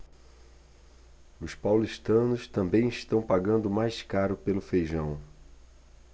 os paulistanos também estão pagando mais caro pelo feijão